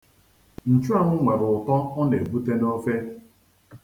Nchuanwụ nwere ụtọ ọ na-ebute n'ofe.